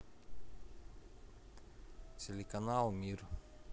телеканал мир